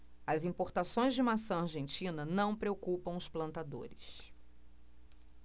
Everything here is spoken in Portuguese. as importações de maçã argentina não preocupam os plantadores